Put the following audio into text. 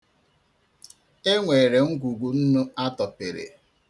E nwere ngwugwu nnu a tọpere.